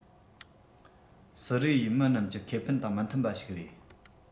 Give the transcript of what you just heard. སི རི ཡའི མི རྣམས ཀྱི ཁེ ཕན དང མི མཐུན པ ཞིག རེད